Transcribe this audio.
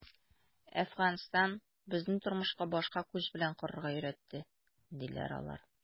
“әфганстан безне тормышка башка күз белән карарга өйрәтте”, - диләр алар.